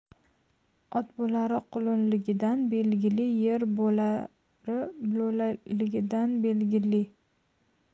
ot bo'lari qulunligidan belgili er bo'lari lo'laligidan belgili